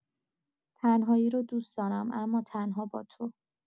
تنهایی رو دوس دارم اما تنها با تو.